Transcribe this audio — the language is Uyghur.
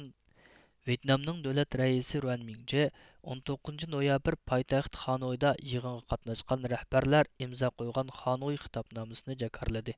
ۋيېتنامنىڭ دۆلەت رەئىسى رۇەنمىڭجې ئون توققۇزىنچى نويابىر پايتەخت خانويدا يىغىنغا قاتناشقان رەھبەرلەر ئىمزا قويغان خانوي خىتابنامىسىنى جاكارلىدى